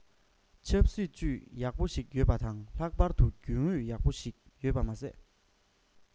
ཆབ སྲིད ཅུད ཡག པོ ཞིག ཡོད ཞིག ཡོད པ དང ལྷག པར དུ རྒྱུན ཨུད ཡག པོ ཞིག ཡོད པ མ ཟད